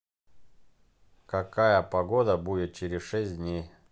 какая погода будет через шесть дней